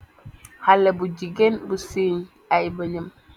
Xale bu jigeen bu seeñ ay boonyam.